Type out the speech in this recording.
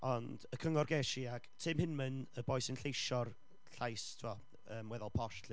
Ond, y cyngor ges i, ac Tim Hinman, y boi sy'n lleisio'r llais, tibod, yn weddol posh l'lly